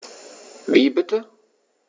Wie bitte?